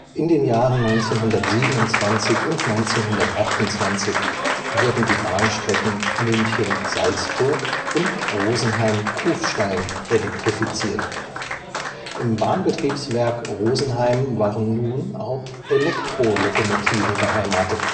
In den Jahren 1927 und 1928 wurden die Bahnstrecken München – Salzburg und Rosenheim – Kufstein elektrifiziert; im Bahnbetriebswerk Rosenheim waren nun auch Elektrolokomotiven beheimatet